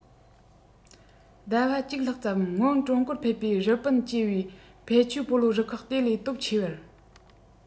ཟླ བ གཅིག ལྷག ཙམ སྔོན ཀྲུང གོར ཕེབས པའི རི པིན སྐྱེས པའི ཕའེ ཆིའུ སྤོ ལོ རུ ཁག དེ ལས སྟོབས ཆེ བར